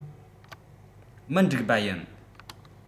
མི འགྲིག པ ཡིན